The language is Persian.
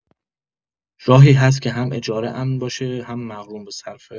راهی هست که هم اجاره امن باشه هم مقرون‌به‌صرفه؟